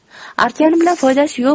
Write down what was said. artgani bilan foydasi yo'q